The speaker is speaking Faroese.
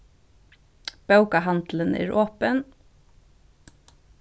bókahandilin er opin